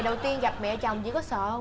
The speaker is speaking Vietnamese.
đầu tiên gặp mẹ chồng chị có sợ hông